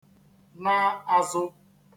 na àzụ